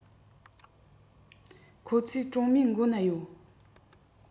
ཁོ ཚོའི གྲོང མིའི མགོ ན ཡོད